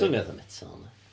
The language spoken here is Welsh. swnio fatha metal yndi?